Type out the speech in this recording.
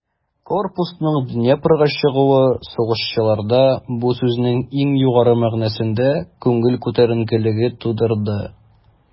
Корпусның Днепрга чыгуы сугышчыларда бу сүзнең иң югары мәгънәсендә күңел күтәренкелеге тудырды.